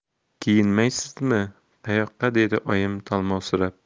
kiyinmaysizmi qayoqqa dedi oyim talmovsirab